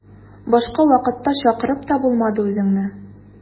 Башка вакытта чакырып та булмады үзеңне.